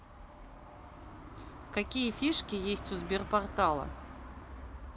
какие фишки есть у сберпортала